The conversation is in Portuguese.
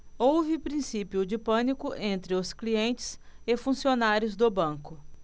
houve princípio de pânico entre os clientes e funcionários do banco